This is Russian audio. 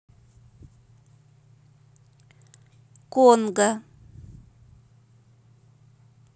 конго